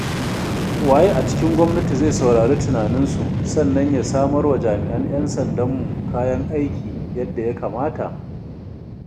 Waye a cikin gwamnati zai saurari tunaninsu sannan ya samar wa jami'an 'yan sandanmu kayan aiki yadda ya kamata?